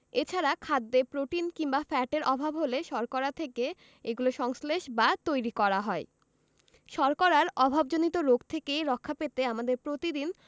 এছাড়া খাদ্যে প্রোটিন কিংবা ফ্যাটের অভাব হলে শর্করা থেকে এগুলো সংশ্লেষ বা তৈরী করা হয় শর্করার অভাবজনিত রোগ থেকে রক্ষা পেতে আমাদের প্রতিদিন